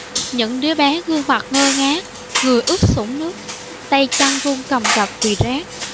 những đứa bé gương mặt ngơ ngác người ướt sũng nước tay chân run cầm cập vì rét